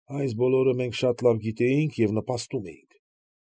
Այս բոլորը մենք շատ լավ գիտեինք և նպաստում էինք։